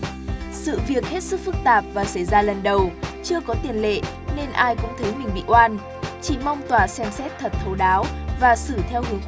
sự việc hết sức phức tạp và xảy ra lần đầu chưa có tiền lệ nên ai cũng thấy mình bị oan chỉ mong tòa xem xét thật thấu đáo và xử theo hướng